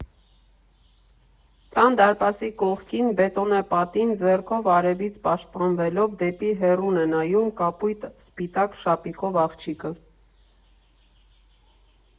Տան դարպասի կողքին՝ բետոնե պատին, ձեռքով արևից պաշտպանվելով դեպի հեռուն է նայում կապույտ֊սպիտակ շապիկով աղջիկը.